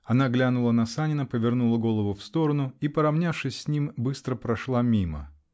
Она глянула на Санина, повернула голову в сторону -- и, поравнявшись с ним, быстро прошла мимо.